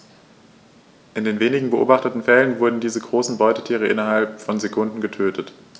In den wenigen beobachteten Fällen wurden diese großen Beutetiere innerhalb von Sekunden getötet.